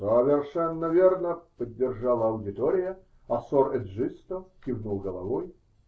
-- Совершенно верно, -- поддержала аудитория, а сор Эджисто кивнул головой.